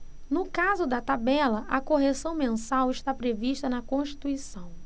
no caso da tabela a correção mensal está prevista na constituição